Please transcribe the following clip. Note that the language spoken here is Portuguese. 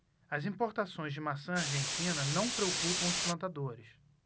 as importações de maçã argentina não preocupam os plantadores